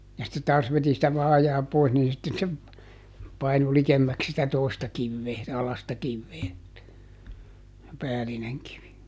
ja sitten taas veti sitä vaajaa pois niin sitten se painui likemmäksi sitä toista kiveä alaista kiveä se päällinen kivi